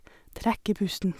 Trekker pusten.